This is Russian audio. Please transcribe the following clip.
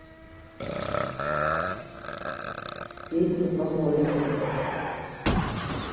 песня помоечка